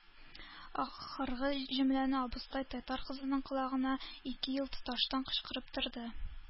Ахыргы җөмләне абыстай татар кызының колагына ике ел тоташтан кычкырып торды.